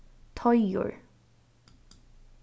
teigur